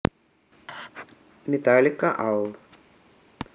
metallica all